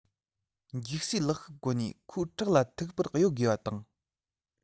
འགྱིག བཟོས ལག ཤུབས གོན ནས ཁོའི ཁྲག ལ ཐུག པར གཡོལ དགོས པ དང